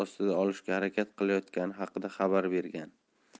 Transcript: ostiga olishga harakat qilayotgani haqida xabar bergan